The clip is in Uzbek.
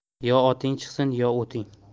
yo oting chiqsin yo o'ting